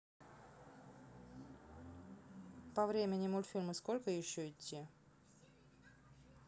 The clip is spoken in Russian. по времени мультфильмы сколько еще идти